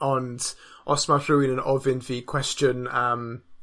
Ond os ma' rhywun yn ofyn fi cwestiwn am,